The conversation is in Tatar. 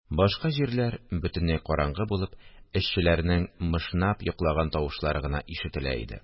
Башка җирләр бөтенләй караңгы булып, эшчеләрнең мышнап йоклаган тавышлары гына ишетелә иде